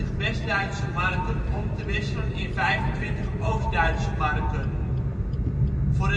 West-Duitse Marken om te wisselen in 25 Oost-Duitse Marken. Voor